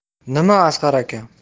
nima asqar akam